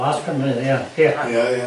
Plas Penmynydd ia ia.